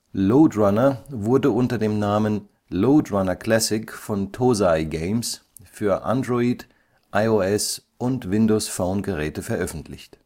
Lode Runner wurde unter dem Namen Lode Runner Classic von Tozai Games für Android -, iOS - und Windows-Phone-Geräte veröffentlicht